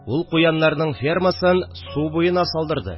Ул куяннарның фермасын Су буена салдырды